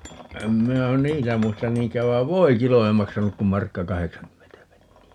en minä niitä muista niinkään vaan voikilo ei maksanut kuin markka kahdeksankymmentä penniä